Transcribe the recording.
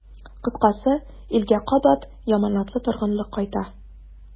Кыскасы, илгә кабат яманатлы торгынлык кайта.